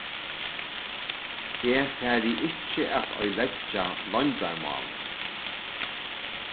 eg fari ikki at oyðileggja loyndarmálið